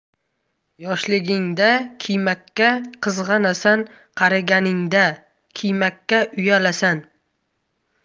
yoshligingda kiymakka qizg'anasan qariganda kiymakka uyalasan